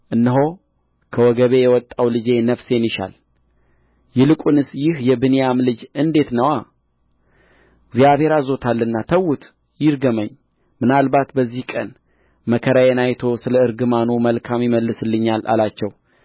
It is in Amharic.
እነሆ ከወገቤ የወጣው ልጄ ነፍሴን ይሻል ይልቁንስ ይህ የብንያም ልጅ እንዴት ነዋ እግዚአብሔር አዝዞታልና ተዉት ይርገመኝ ምናልባት በዚህ ቀን መከራዬን አይቶ ስለ እርግማኑ መልካም ይመልስልኛል አላቸው